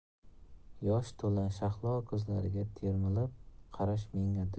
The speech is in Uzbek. yosh to'la shahlo ko'zlariga termilib qarash